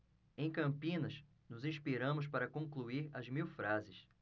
em campinas nos inspiramos para concluir as mil frases